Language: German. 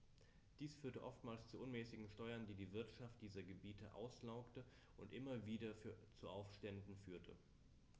Dies führte zu oftmals unmäßigen Steuern, die die Wirtschaft dieser Gebiete auslaugte und immer wieder zu Aufständen führte.